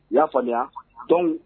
I y'a faamuya tɔn